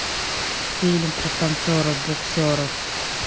фильм про танцоров буксеров